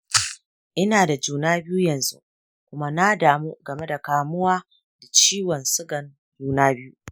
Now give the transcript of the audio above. ina da juna-biyu yanzu, kuma na damu game kamuwa da ciwon sugan juna-biyu.